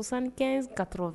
Musankɛ ka dɔrɔn